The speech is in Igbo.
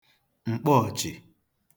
m̀kpọọ̀chị̀